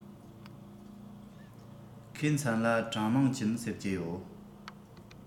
ཁོའི མཚན ལ ཀྲང མིང ཅུན ཟེར གྱི ཡོད